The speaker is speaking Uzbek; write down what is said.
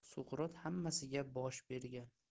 suqrot hammasiga dosh bergan